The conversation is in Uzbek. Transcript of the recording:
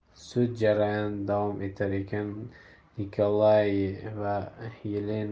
sud jarayoni davom etar ekan nikolaye